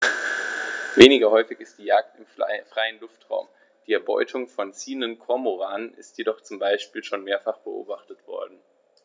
Weniger häufig ist die Jagd im freien Luftraum; die Erbeutung von ziehenden Kormoranen ist jedoch zum Beispiel schon mehrfach beobachtet worden.